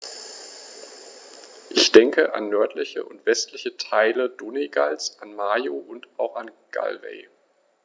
Ich denke an nördliche und westliche Teile Donegals, an Mayo, und auch Galway.